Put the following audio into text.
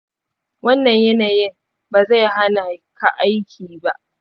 wannan yanayin ba zai hana ka aiki ba.